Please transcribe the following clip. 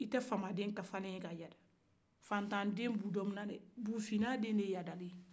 i tɛ famaden kafalen ka yada fantanden buduna de bɛ kafa